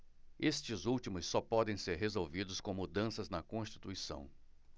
estes últimos só podem ser resolvidos com mudanças na constituição